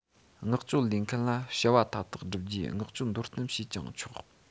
མངགས བཅོལ ལེན མཁན ལ བྱ བ མཐའ དག བསྒྲུབ རྒྱུའི མངགས བཅོལ མདོར བསྟན བྱས ཀྱང ཆོག